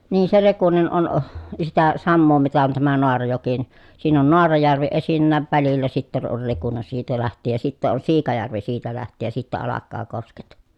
niin se Rekunen on sitä samaa mitä on tämä Naarajoki niin siinä on Naarajärvi esinnäkin välillä sitten on Rekunen siitä lähtien ja sitten on Siikajärvi siitä lähtien ja sitten alkaa kosket